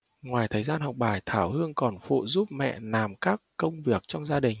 ngoài thời gian học bài thảo hương còn phụ giúp mẹ làm các công việc trong gia đình